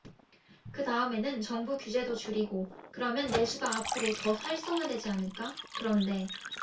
그 다음에는 정부 규제도 줄이고 그러면 내수가 앞으로 더 활성화되지 않을까 그런데